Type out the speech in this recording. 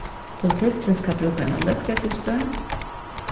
politisturin skal brúka eina løgreglustøð